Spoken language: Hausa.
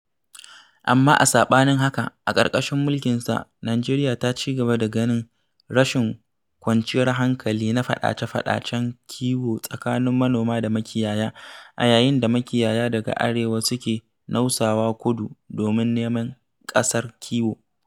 Amma a saɓanin haka, a ƙarƙashin mulkinsa, Najeriya ta cigaba da ganin rashin kwanciyar hankali na faɗace-faɗacen kiwo tsakanin manoma da makiyaya a yayin da makiyaya daga arewa suke nausawa kudu domin neman ƙasar kiwo.